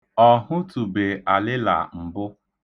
Ọ hụtụbe alịla mbụ.